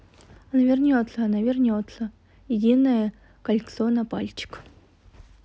она вернется она вернется единое кольцо на пальчик